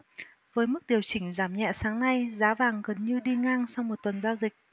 với mức điều chỉnh giảm nhẹ sáng nay giá vàng gần như đi ngang sau một tuần giao dịch